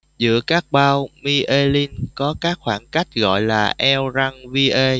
giữa các bao mi ê lin có các khoảng cách gọi là eo răng vi ê